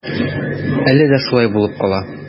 Әле дә шулай булып кала.